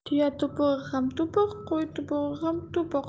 tuya to'pig'i ham to'piq qo'y to'pig'i ham to'piq